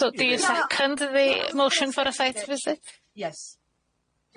So do you second the motion for a site visit? Yes.